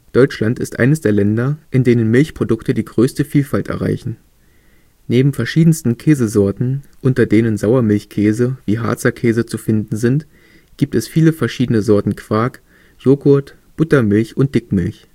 Deutschland ist eines der Länder, in denen Milchprodukte die größte Vielfalt erreichen. Neben verschiedensten Käsesorten, unter denen Sauermilchkäse wie Harzer Käse zu finden sind, gibt es viele verschiedene Sorten Quark, Joghurt, Buttermilch und Dickmilch